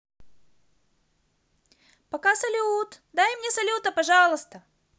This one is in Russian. пока салют дай мне салюта пожалуйста